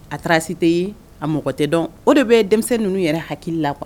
A taarasi tɛ yen a mɔgɔ tɛ dɔn o de bɛ denmisɛnnin ninnu yɛrɛ hakili la qu kuwa